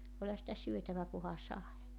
olihan sitä syötävä kunhan sai